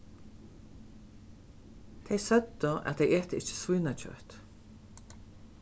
tey søgdu at tey eta ikki svínakjøt